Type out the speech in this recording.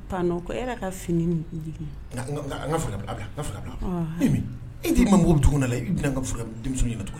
Ko ka fini ka ka e'i ma mɔgɔw dugu na la i bɛ ka denmisɛn ye tuguni